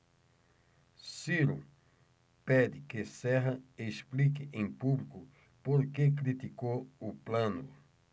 ciro pede que serra explique em público por que criticou plano